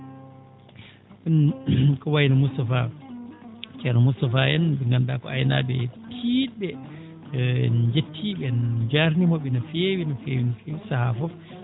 Ɗum ko wayi no Moustapha ceerno Moustapha en ɓe ngannduɗaa ko aynaaɓe tiiɗɓe e njettii ɓe en njaarniima ɓe no feewi no feewi no feewi sahaa fof